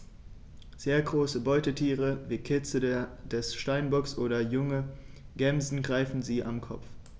Sehr große Beutetiere wie Kitze des Steinbocks oder junge Gämsen greifen sie am Kopf.